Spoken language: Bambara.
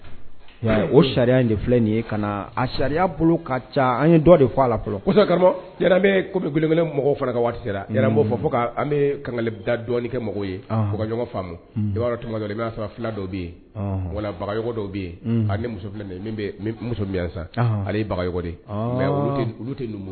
G fo an kankɛ i b'a sɔrɔ filabaga dɔw bɛ sa ale